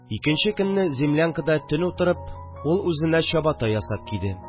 Икенче көнне землянкада төн утырып ул үзенә чабата ясап киде